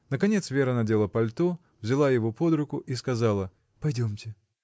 Наконец Вера надела пальто, взяла его под руку и сказала: — Пойдемте!